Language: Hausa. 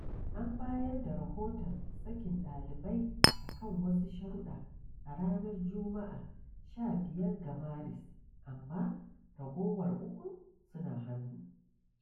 An bayar da rahoton sakin ɗaliban a kan wasu sharuɗa a ranar Juma'a 15 ga Maris, amma ragowar ukun suna hannu.